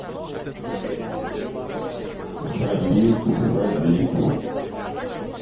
хабиб хабиб